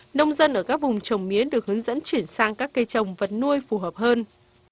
nông dân ở các vùng trồng mía được hướng dẫn chuyển sang các cây trồng vật nuôi phù hợp hơn